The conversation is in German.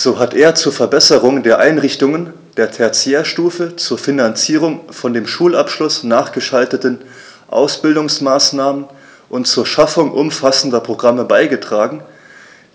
So hat er zur Verbesserung der Einrichtungen der Tertiärstufe, zur Finanzierung von dem Schulabschluß nachgeschalteten Ausbildungsmaßnahmen und zur Schaffung umfassender Programme beigetragen,